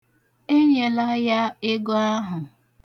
Enyela ya ego ahụ.